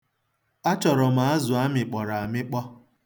Achọrọ m azụ a mịkpọrọ amịkpọ.